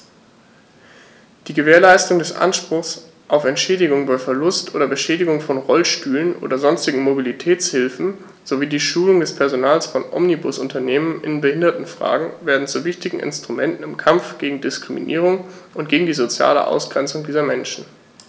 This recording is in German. Die Gewährleistung des Anspruchs auf Entschädigung bei Verlust oder Beschädigung von Rollstühlen oder sonstigen Mobilitätshilfen sowie die Schulung des Personals von Omnibusunternehmen in Behindertenfragen werden zu wichtigen Instrumenten im Kampf gegen Diskriminierung und gegen die soziale Ausgrenzung dieser Menschen.